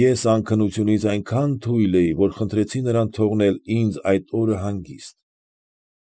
Ես անքնությունից այնքան թույլ էի, որ խնդրեցի նրան թողնել ինձ այդ օրը հանգիստ։